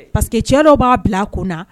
Pa quecɛlaw b'a bila a kun na